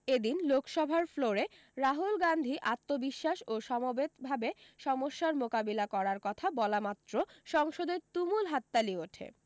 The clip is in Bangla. এদিন লোকসভার ফ্লোরে রাহুল গান্ধী আত্মবিশ্বাস ও সমবেত ভাবে সমস্যার মোকাবিলা করার কথা বলামাত্র সংসদে তুমুল হাততালি ওঠে